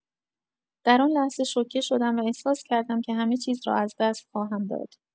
در آن لحظه شوکه شدم و احساس کردم که همه چیز را از دست خواهم داد.